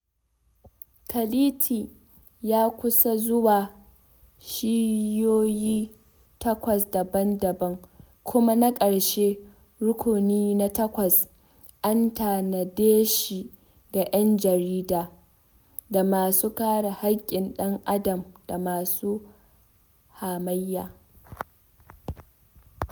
Kality ya kasu zuwa shiyyoyi takwas daban-daban, kuma na ƙarshe — Rukuni na takwas — an tanade shi ga ‘yan jarida, da masu kare haƙƙin ɗan Adam, da masu hamayya.